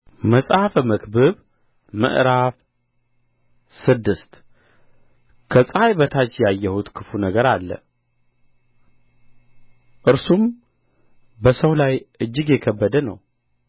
መጽሐፈ መክብብ ምዕራፍ ስድስት ከፀሐይ በታች ያየሁት ክፉ ነገር አለ እርሱም በሰው ላይ እጅግ የከበደ ነው